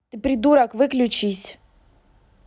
ты придурок выключись